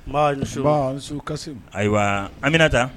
Ayiwa an bɛ taa